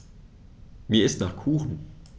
Mir ist nach Kuchen.